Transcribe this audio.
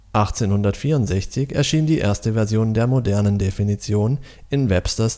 1864 erschien die erste Version der modernen Definition in Webster